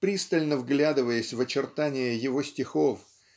Пристально вглядываясь в очертания его стихов